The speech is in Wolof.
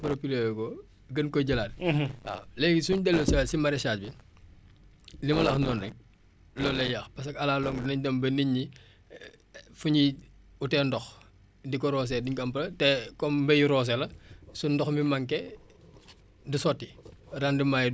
waaw léegi suñ dellusiwaat si maraichage bi li ma la wax noonu rek loolu lay yàq parce que à la longue dinañ dem ba nit ñi fu ñuy utee ndox di ko roosee duñ ko am te comme mbéyu roose la su ndox mi manqué du sotti rendements yi dootul mel ni mu war a mel daal